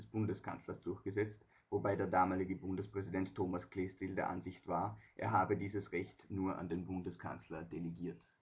Bundeskanzlers durchgesetzt, wobei der damalige Bundespräsident Thomas Klestil der Ansicht war, er habe dieses Recht nur an den Bundeskanzler delegiert